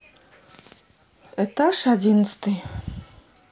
этаж одиннадцатый